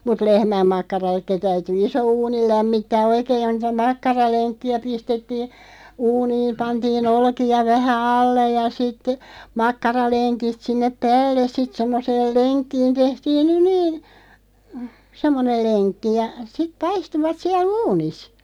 mutta lehmänmakkarallekin täytyi iso uuni lämmittää oikein johon niitä makkaralenkkejä pistettiin uuniin pantiin olkia vähän alle ja sitten makkaralenkit sinne päälle sitten semmoiseen lenkkiin tehtiin nyt niin semmoinen lenkki ja sitten paistuivat siellä uunissa